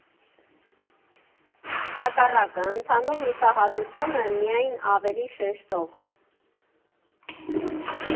Հակառակը՝ ընդհանուր հուսահատությունը միայն ավելի շեշտող։